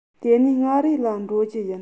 དེ ནས མངའ རིས ལ འགྲོ རྒྱུ ཡིན